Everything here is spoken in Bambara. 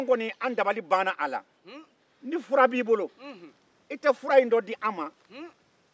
anw kɔni dabali banna a la ni fura b'i bolo i tɛ dɔ di an ma